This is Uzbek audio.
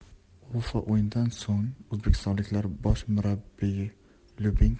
o'fao'yindan so'ng o'zbekistonliklar bosh murabbiyi lyubinko